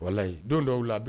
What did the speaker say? Walayi don dɔw la